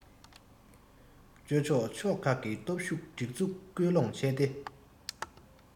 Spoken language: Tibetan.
སྤྱོད ཆོག ཕྱོགས ཁག གི སྟོབས ཤུགས སྒྲིག འཛུགས སྐུལ སློང བྱས ཏེ